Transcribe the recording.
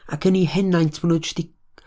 Ag yn eu henaint, ma' nhw jyst 'di...